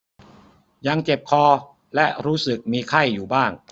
ยังเจ็บคอและรู้สึกมีไข้อยู่บ้าง